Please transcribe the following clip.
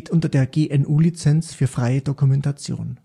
unter der GNU Lizenz für freie Dokumentation